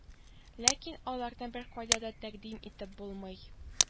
Ләкин аларны беркайда да тәкъдим итеп булмый